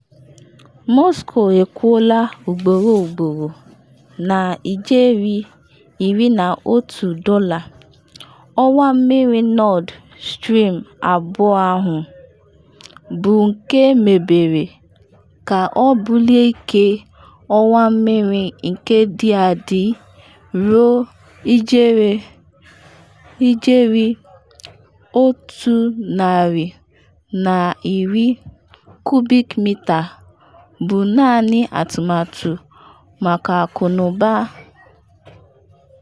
Moscow ekwuola ugboro ugboro na ijeri $11 ọwa mmiri Nord Stream 2 ahụ, bụ nke emebere ka o bulie ike ọwa mmiri nke dị adị ruo ijeri 110 kubik mita, bụ naanị atụmatụ maka akụnụba.